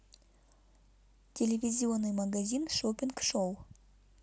телевизионный магазин шоппинг шоу